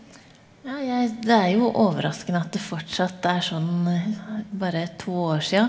ja jeg det er jo overraskende at det fortsatt er sånn bare to år sia.